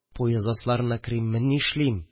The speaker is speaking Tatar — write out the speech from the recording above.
Поезд асларына керимме, нишлим